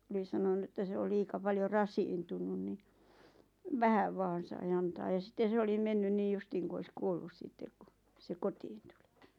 oli sanonut että se on liian paljon rasittunut niin vähän vain sai antaa ja sitten se oli mennyt niin justiin kuin olisi kuollut sitten kun se kotiin tuli